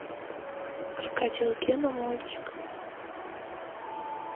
крокодил гена мультик